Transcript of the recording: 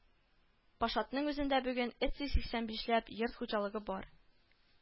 Пашатның үзендә бүген өц йөз сиксән бишләп йорт хуҗалык бар